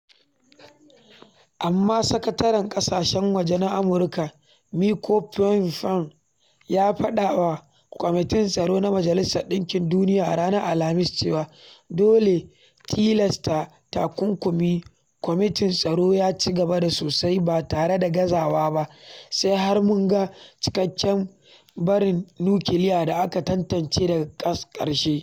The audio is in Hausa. Amma, Sakataren Ƙasashen Waje na Amurka Mike Pompeo ya faɗa wa Kwamitin Tsaro na Majalisar Ɗinkin Duniya a ranar Alhamis cewa: “Dole tilasta takunkumin Kwamitin Tsaro ya ci gaba sosai ba tare da gazawa ba sai har mun ga cikekken barin nukiliya da aka tantance daga ƙarshe.”